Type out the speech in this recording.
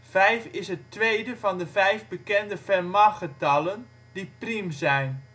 Vijf is het tweede van de vijf bekende Fermatgetallen die priem zijn